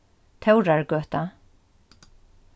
tórðargøta